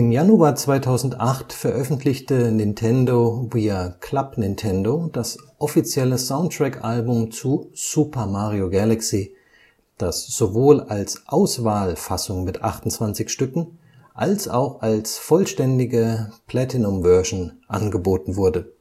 Januar 2008 veröffentlichte Nintendo via Club Nintendo das offizielle Soundtrack-Album zu Super Mario Galaxy, das sowohl als Auswahl-Fassung mit 28 Stücken als auch als vollständige „ Platinum Version “angeboten wurde